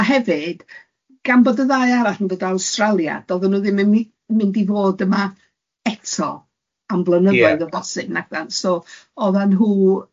A hefyd, gan bod y ddau arall yn dod o Awstralia, dodden nhw ddim yn my- mynd i fod yma eto, am flynyddoedd... Ie. ...o bosib nacdan, so oeddan nhw....